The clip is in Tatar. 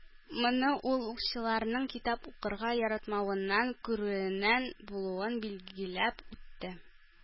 Моны ул укучыларның китап укырга яратмавыннан күрүеннән булуын билгеләп үтте.